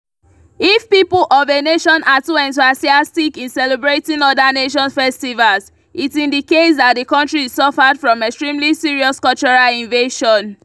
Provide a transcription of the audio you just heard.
If people of a nation are too enthusiastic in celebrating other nations’ festivals, it indicates that the country is suffered from extremely serious cultural invasion.